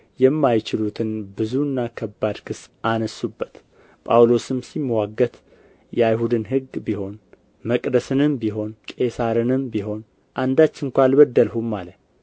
የማይችሉትን ብዙና ከባድ ክስ አነሱበት ጳውሎስም ሲምዋገት የአይሁድን ህግ ቢሆን መቅደስንም ቢሆን ቄሳርንም ቢሆን አንዳች ስንኳ አልበደልሁም አለ